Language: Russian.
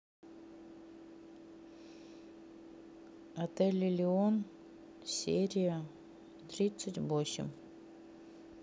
отель элеон серия тридцать восемь